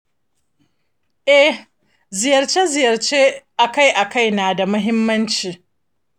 eh, ziyarce-ziyarce akai-akai na da muhimmanci